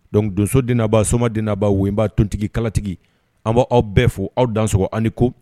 Donc donsodinaba somadbaa wba tontigikalatigi an b' aw bɛɛ fo aw dan s ani ko